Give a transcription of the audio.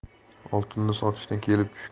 oltinni sotishdan kelib tushgan